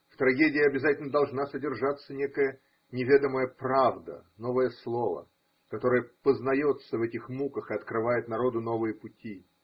В трагедии обязательно должна содержаться некая неведомая правда, новое слово, которое познается в этих муках и открывает народу новые пути.